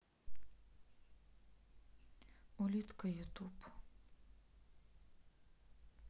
улитка ютуб